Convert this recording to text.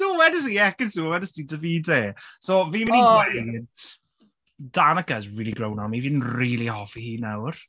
Do wedes i Ekin Su a wedest ti Davide. So fi'n mynd i... o! ...weud Danica has really grown on me. Fi'n rili hoffi hi nawr.